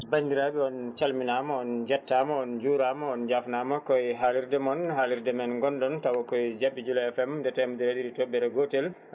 bandiraɓe on calminama on jettama on jurama on jarnama koye haalirde moon haalirde men gonɗen tawa koye JAƁY JULA FM nde temeder e ɗiɗi toɓɓere gotel